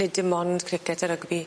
Neu dim ond cricet a rygbi?